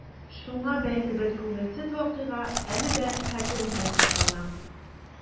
Шуңа бәйле бер күңелсез вакыйга әле дә хәтеремдә саклана.